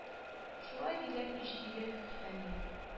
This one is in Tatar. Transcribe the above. Шулай диләр ич диде хәниф